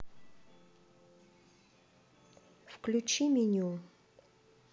включи меню